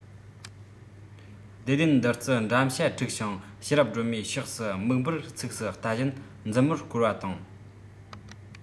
བདེ ལྡན བདུད རྩི འགྲམ ཤ འཁྲིགས ཤིང ཤེས རབ སྒྲོལ མའི ཕྱོགས སུ མིག འབུར ཚུགས སུ ལྟ བཞིན མཛུབ མོར བསྐོར བ དང